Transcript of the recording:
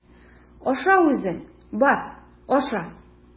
Аша үзең, бар, аша!